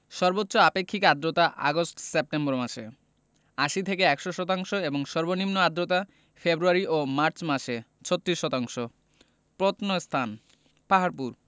সর্বোচ্চ আপেক্ষিক আর্দ্রতা আগস্ট সেপ্টেম্বর মাসে ৮০ থেকে ১০০ শতাংশ এবং সর্বনিম্ন আর্দ্রতা ফেব্রুয়ারি ও মার্চ মাসে ৩৬ শতাংশ প্রত্নস্থানঃ পাহাড়পুর